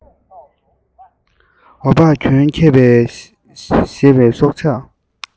ཝ པགས གྱོན མཁས པའི མི ཞེས པའི སྲོགས ཆགས